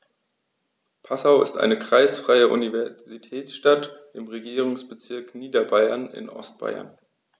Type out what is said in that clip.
Passau ist eine kreisfreie Universitätsstadt im Regierungsbezirk Niederbayern in Ostbayern.